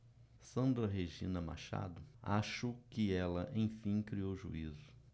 sandra regina machado acho que ela enfim criou juízo